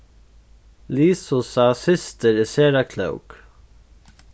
lisusa systir er sera klók